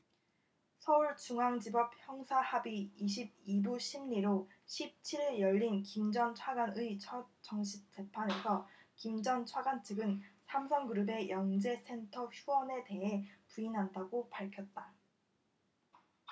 서울중앙지법 형사합의 이십 이 부 심리로 십 칠 일 열린 김 전 차관의 첫 정식 재판에서 김 전 차관 측은 삼성그룹의 영재센터 후원에 대해 부인한다고 밝혔다